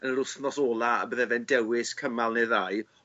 yn yr wthnos ola y bydde fe'n dewis cymal neu ddau